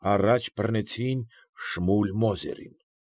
Առաջ բռնեցին Շմուլ Մոզերին։